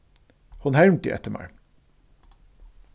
hon hermdi eftir mær